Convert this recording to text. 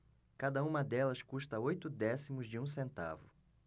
cada uma delas custa oito décimos de um centavo